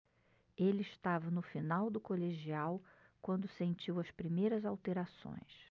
ele estava no final do colegial quando sentiu as primeiras alterações